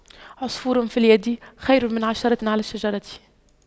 عصفور في اليد خير من عشرة على الشجرة